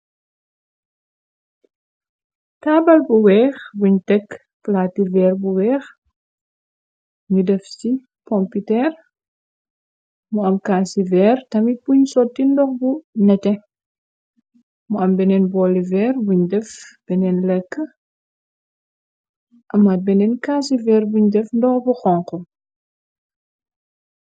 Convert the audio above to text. taabal bu weex buñ tëkk plaati veer bu weex ñu def ci pompiter mu am kaasi veer tami puñ sotti ndox bu nete mu am beneen booli veer buñ def beneen lekk amaat beneen kaasi veer buñ def ndooh bu xonko.